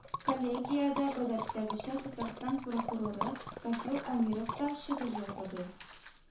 Коллегиядә, гадәттәгечә, Татарстан прокуроры Кафил Әмиров та чыгыш ясады